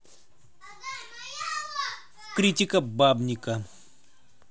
критика бабника